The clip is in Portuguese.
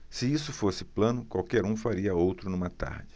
se isso fosse plano qualquer um faria outro numa tarde